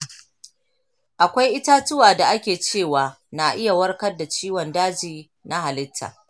akwai itatuwa da ake cewa na iya warkar da ciwon daji ta halitta.